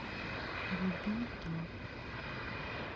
биби то